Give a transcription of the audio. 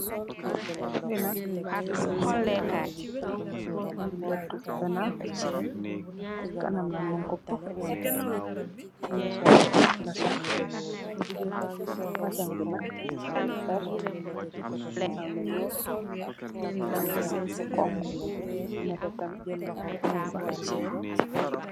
Bii nak gigain mofi takhaw, mungy lehtu cii ganaw, cii kanam munkoh puff, mungy sol mbazin, mbazin bii nak mungy am lu vert, mungy am lu njull, mungy am tamit lu honhu, lu nehteh tamit mung fa.